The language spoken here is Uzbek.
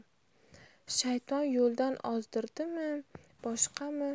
shayton yo'ldan ozdirdimi boshqami